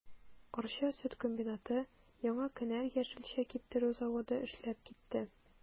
Арча сөт комбинаты, Яңа кенәр яшелчә киптерү заводы эшләп китте.